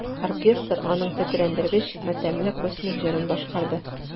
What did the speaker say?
Оркестр аның тетрәндергеч матәмле космик җырын башкарды.